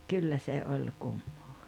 ja kyllä se oli kummaa